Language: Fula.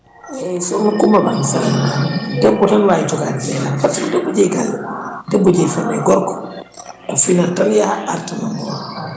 eyyi sokhna Coumba Ba debbo tan wawi jogade gollal par :ra ce que debbo jeeyi galle debbo famille gorko a finat tan yaaha arta *